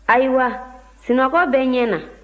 ayiwa sunɔgɔ bɛ n ɲɛ na